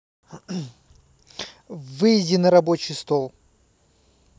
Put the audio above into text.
выйди на рабочий стол